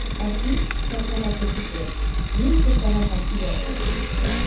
Ә син, мәрхәмәтле кеше, нинди карарга киләсең?